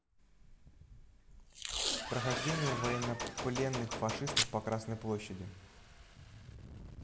прохождение военнопленных фашистов по красной площади